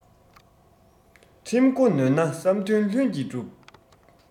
ཁྲིམས འགོ ནོན ན བསམ དོན ལྷུན གྱིས འགྲུབ